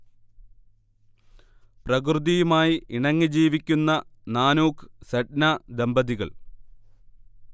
പ്രകൃതിയുമായി ഇണങ്ങി ജീവിക്കുന്ന നാനൂക്ക്, സെഡ്ന ദമ്പതികൾ